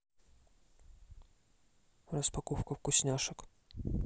распаковка вкусняшек